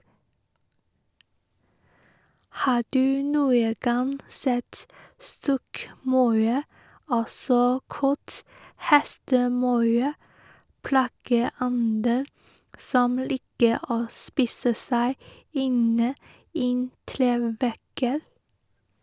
Har du noen gang sett stokkmaur, også kalt hestemaur, plageånden som liker å spise seg inn i treverket?